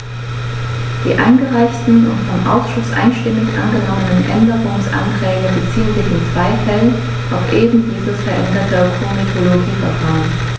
Die eingereichten und vom Ausschuss einstimmig angenommenen Änderungsanträge beziehen sich in zwei Fällen auf eben dieses veränderte Komitologieverfahren.